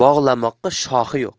bog'lamoqqa shoxi yo'q